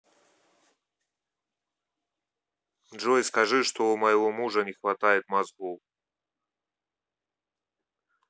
джой скажи что у моего мужа не хватает мозгов